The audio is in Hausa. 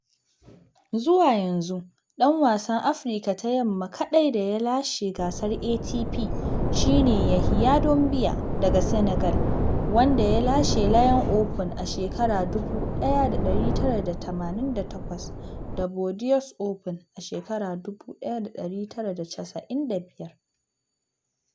Zuwa yanzu, ɗan wasan Afrika ta Yamma kaɗai da ya lashe gasar ATP shine Yahiya Doumbia daga Senegal, wanda ya lashe Lyon Open a 1988 da Bordeaux Open a 1995.